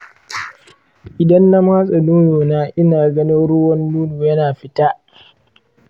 idan na matse nono na, ina ganin ruwan nono yana fita.